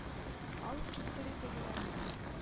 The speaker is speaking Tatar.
Алып китте, ди, тегеләрне.